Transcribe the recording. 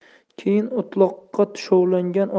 keyin o'tloqqa tushovlangan